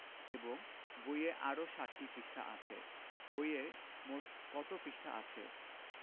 এবং বইয়ে আরও ৭টি পৃষ্ঠা আছে বইয়ে মোট কত পৃষ্ঠা আছে